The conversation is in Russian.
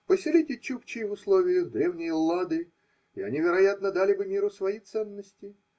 Поселите чукчей в условиях древней Эллады – и они, вероятно, дали бы миру свои ценности.